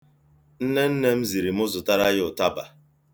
Nnenne m zịrị mụ zụtara ya ụtaba.